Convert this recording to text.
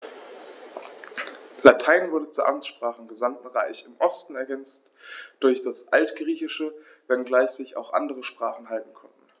Latein wurde zur Amtssprache im gesamten Reich (im Osten ergänzt durch das Altgriechische), wenngleich sich auch andere Sprachen halten konnten.